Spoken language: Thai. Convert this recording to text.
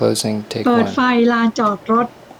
เปิดไฟลานจอดรถ